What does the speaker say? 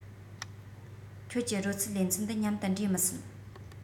ཁྱོད ཀྱི རོལ རྩེད ལེ ཚན འདི མཉམ དུ འདྲེས མི སྲིད